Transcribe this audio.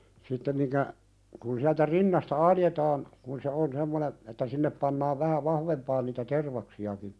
sitten minkä kun sieltä rinnasta aloitetaan kun se on semmoinen että sinne pannaan vähän vahvempaan niitä tervaksiakin